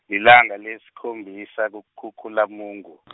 lilanga lesikhombisa kuKhukhulamungu .